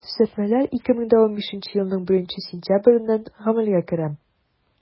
Төзәтмәләр 2015 елның 1 сентябреннән гамәлгә керә.